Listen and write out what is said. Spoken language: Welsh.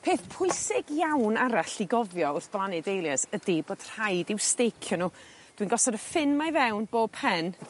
Peth pwysig iawn arall i gofio wrth blannu dahlias ydi bod rhaid i'w stecio n'w dwi'n gosod y ffyn 'ma i fewn bob pen